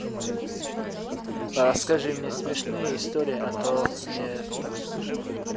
расскажи мне смешные истории а то мне так скучно